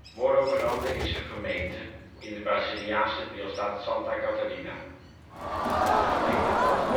Morro Grande is een gemeente in de Braziliaanse deelstaat Santa Catarina. De gemeente telt